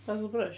Basil Brush?